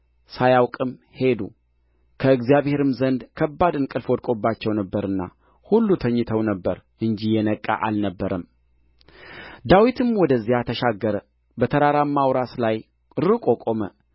ሳያውቅም ሄዱ ከእግዚአብሔርም ዘንድ ከባድ እንቅልፍ ወድቆባቸው ነበርና ሁሉ ተኝተው ነበር እንጂ የነቃ አልነበረም ዳዊትም ወደዚያ ተሻገረ በተራራውም ራስ ላይ ርቆ ቆመ